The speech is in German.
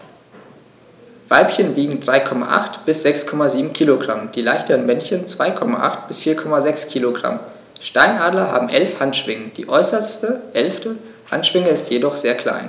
Weibchen wiegen 3,8 bis 6,7 kg, die leichteren Männchen 2,8 bis 4,6 kg. Steinadler haben 11 Handschwingen, die äußerste (11.) Handschwinge ist jedoch sehr klein.